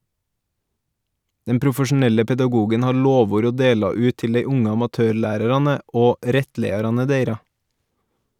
Den profesjonelle pedagogen har lovord å dela ut til dei unge amatørlærarane og rettleiarane deira.